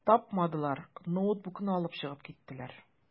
Тапмадылар, ноутбукны алып чыгып киттеләр.